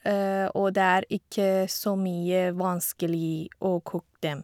Og det er ikke så mye vanskelig å kok dem.